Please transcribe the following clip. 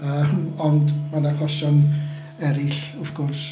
Yym ond ma' 'na achosion eraill wrth gwrs.